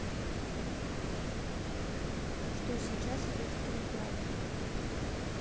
что сейчас идет в кинотеатре